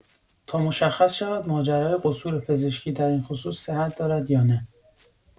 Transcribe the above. تا مشخص شود ماجرای قصور پزشکی در این خصوص صحت دارد یا نه.